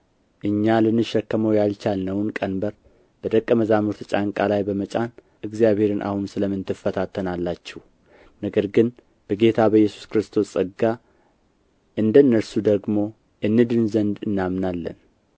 እኛ ልንሸከመው ያልቻልነውን ቀንበር በደቀ መዛሙርት ጫንቃ ላይ በመጫን እግዚአብሔርን አሁን ስለ ምን ትፈታተናላችሁ ነገር ግን በጌታ በኢየሱስ ክርስቶስ ጸጋ እንደ እነርሱ ደግሞ እንድን ዘንድ እናምናለን